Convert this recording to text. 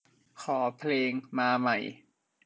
ขอเพลงมาใหม่